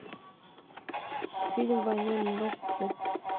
фильм война миров зед